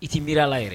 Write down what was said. I t'i miiri a la yɛrɛ